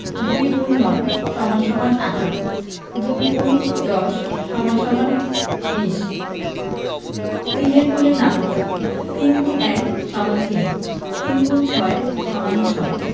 ২ X ৯ = ১৮ ২ ×১০ = ২০ ৩ এর গুণের নামতা ৩ X ১ = ৩ ৩ X ২ = ৬